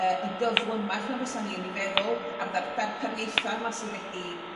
yy yn gyflymach na fysan ni yn 'i feddwl, ar ddar- darpariaetha 'ma sy wedi